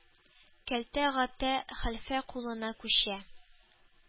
Кәлтә Гата хәлфә кулына күчә.